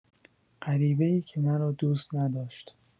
غریبه‌ای که مرا دوست نداشت